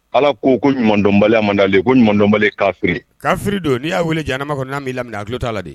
Ala ko ko ɲumandɔnbaliya mandale ko ɲumandɔnbali kafiri kafiridon don n' y'a weele janma ma kɔnɔ n'a' laminɛ a tulolo t' la de